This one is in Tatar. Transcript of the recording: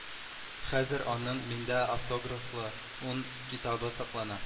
Хәзер аның миндә автографлы ун китабы саклана